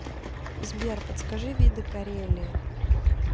сбер подскажи покажи виды карелии